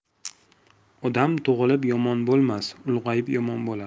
odam tug'ilib yomon bo'lmas ulg'ayib yomon bo'lar